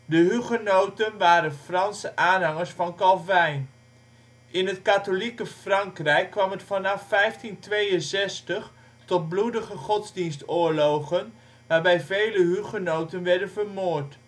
hugenoten waren de Franse aanhangers van Calvijn. In het katholieke Frankrijk kwam het vanaf 1562 tot bloedige godsdienstoorlogen, waarbij vele hugenoten werden vermoord